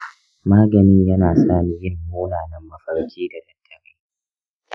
maganin yana sa ni yin munanan mafarkai da daddare.